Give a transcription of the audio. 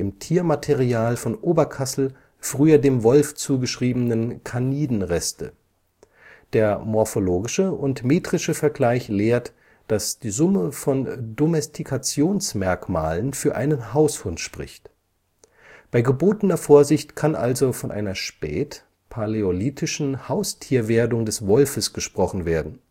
Tiermaterial von Oberkassel früher dem Wolf zugeschriebenen Canidenreste. Der morphologische und metrische Vergleich lehrt, daß die Summe von Domestikationsmerkmalen für einen Haushund spricht. Bei gebotener Vorsicht kann also von einer spätpaläolithischen Haustierwerdung des Wolfes gesprochen werden